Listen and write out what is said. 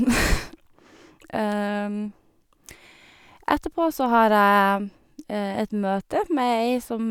Etterpå så har jeg et møte med ei som...